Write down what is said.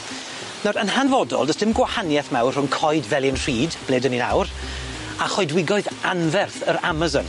Nawr yn hanfodol, do's dim gwahanieth mawr rhwng Coed Felin Rhyd, ble 'dyn ni nawr a choedwigoedd anferth yr Amazon.